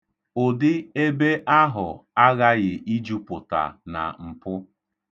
Ụdị ebe ahụ aghaghị ijupụta na mpụ.